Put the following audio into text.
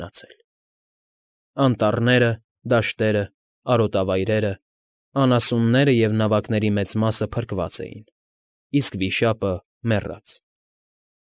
Մնացել, անտառները, դաշտերը, արոտավայրերը, անասունները և նավակների մեծ մասը փրկված էին, իսկ վիշապը՝ մեռած։